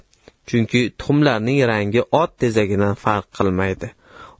chunki tuxumlarning rangi ot tezagidan farq qilmaydi